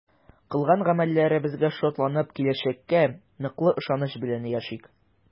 Кылган гамәлләребезгә шатланып, киләчәккә ныклы ышаныч белән яшик!